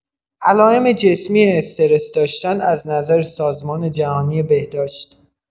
علائم جسمی استرس داشتن از نظر سازمان جهانی بهداشت